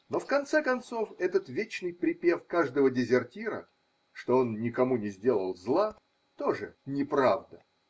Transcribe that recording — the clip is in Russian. Но, в конце концов, этот вечный припев каждого дезертира, что он никому не сделал зла, тоже неправда.